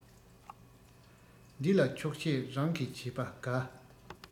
འདི ལ ཆོག ཤེས རང གིས བྱས པ དགའ